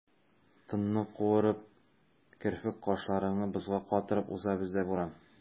Тынны куырып, керфек-кашларыңны бозга катырып уза бездә буран.